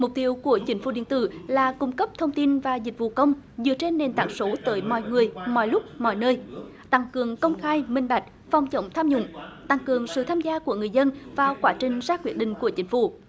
mục tiêu của chính phủ điện tử là cung cấp thông tin và dịch vụ công dựa trên nền tảng số tới mọi người mọi lúc mọi nơi tăng cường công khai minh bạch phòng chống tham nhũng tăng cường sự tham gia của người dân vào quá trình ra quyết định của chính phủ